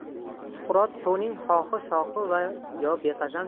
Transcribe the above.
suqrot to'ning xohi shohi va yo beqasam